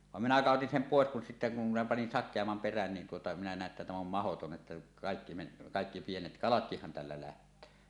vaan minä kadotin sen pois kun sitten kun minä panin sakeamman perän niin tuota minä näin että tämä on mahdoton että kaikki - kaikki pienet kalatkinhan tällä lähtee